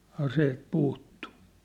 aseet puuttui